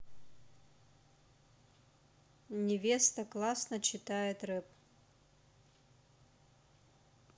невеста классно читает рэп